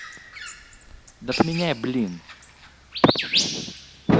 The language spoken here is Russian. да поменяй блин